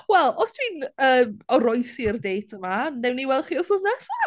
Wel, os dwi'n yym, oroesi'r date yma, wnawn ni weld chi wythnos nesaf.